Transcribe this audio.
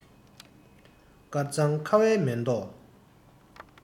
དཀར གཙང ཁ བའི མེ ཏོག